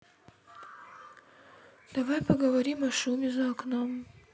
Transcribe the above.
давай поговорим о шуме за окном